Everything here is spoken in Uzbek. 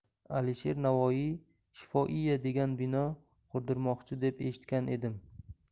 alisher navoiy shifoiya degan bino qurdirmoqchi deb eshitgan edim